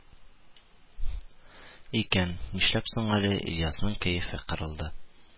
Икән, нишләп соң әле ильясның кәефе кырылды